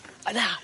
O na!